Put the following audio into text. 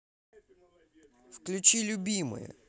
включи любимое